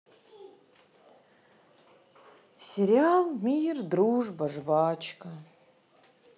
сериал мир дружба жвачка